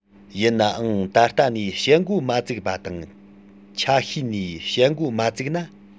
ཡིན ནའང ད ལྟ ནས བྱེད འགོ མ བཙུགས པ དང ཆ ཤས ནས བྱེད འགོ མ བཙུགས ན